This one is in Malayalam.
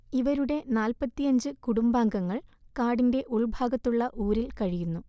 ഇവരുടെ നാല്‍പ്പത്തിയഞ്ച് കുടുംബാംഗങ്ങൾ കാടിന്റെ ഉൾഭാഗത്തുള്ള ഊരിൽ കഴിയുന്നു